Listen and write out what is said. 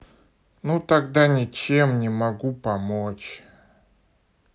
ну тогда ничем не могу помочь